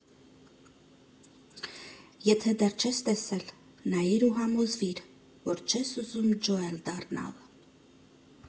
Եթե դեռ չես տեսել, նայիր ու համոզվիր, որ չես ուզում Ջոել դառնալ։